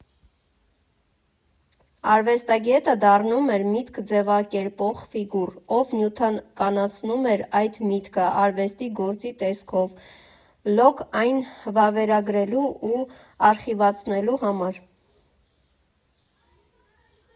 Արվեստագետը դառնում էր «միտք» ձևակերպող ֆիգուր, ով նյութականացնում էր այդ միտքը արվեստի գործի տեսքով լոկ այն վավերագրելու ու արխիվացնելու համար։